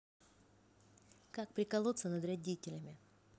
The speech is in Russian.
как приколоться над родителями